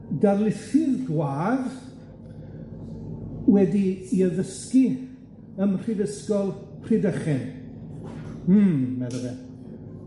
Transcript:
darlithydd gwadd wedi 'i addysgu ym Mhrifysgol Rhydychen. Hmm, medda fe.